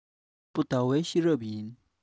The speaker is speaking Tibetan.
རྒྱལ བུ ཟླ བའི ཤེས རབ ཀྱིས